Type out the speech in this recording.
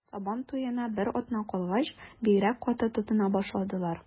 Сабан туена бер атна калгач, бигрәк каты тотына башладылар.